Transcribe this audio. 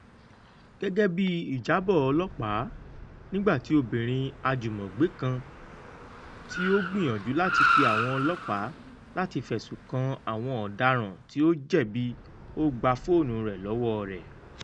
Gẹ́gẹ́ bí ìjábọ̀ ọlọ́pàá, nígbà tí obìnrin àjùmọ̀gbé kan tí ó gbìyànjú láti pe àwọn ọlọ́pàá lati fẹ̀sùn kan àwọn ọ̀daràn tí ó jẹ̀bi,ó gba fóònù rẹ lọwọ́ rẹ̀